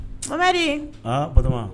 Anri aa